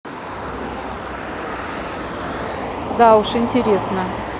да уж интересно